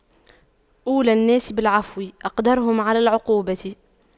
أولى الناس بالعفو أقدرهم على العقوبة